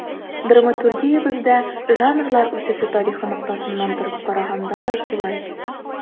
Драматургиябездә жанрлар үсеше тарихы ноктасынан торып караганда да шулай.